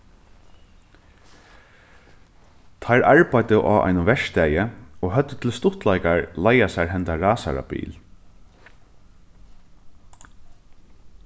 teir arbeiddu á einum verkstaði og høvdu til stuttleikar leigað sær henda rasarabil